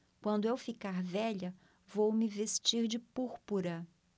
quando eu ficar velha vou me vestir de púrpura